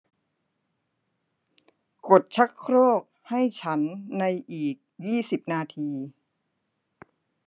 กดชักโครกให้ฉันในอีกยี่สิบนาที